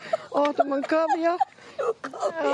O dwi'm yn cofio. Dim y' cofio.